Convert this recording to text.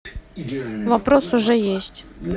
вопрос уже есть